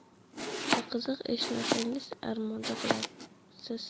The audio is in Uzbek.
juda qiziq eshitmasangiz armonda qolarsiz